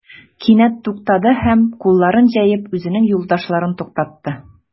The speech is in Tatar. Кинәт туктады һәм, кулларын җәеп, үзенең юлдашларын туктатты.